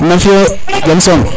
na fio jam som